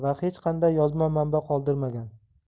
va hech qanday yozma manba qoldirmagan